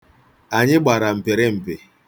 Anyị gbara mpịrịmpị.